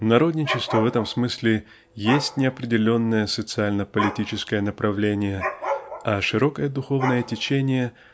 Народничество в этом смысле есть не определенное социально-политическое направление а широкое духовное течение